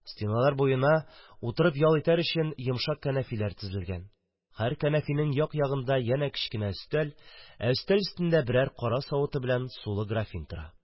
Стеналар буена утырып ял итәр өчен йомшак кәнәфиләр төзелгән. Һәр кәнәфинең як-ягында янә кечкенә өстәл, ә өстәл өстендә берәр кара савыты белән сулы графин тора.